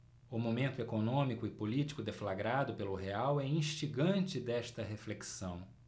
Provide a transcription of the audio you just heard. o momento econômico e político deflagrado pelo real é instigante desta reflexão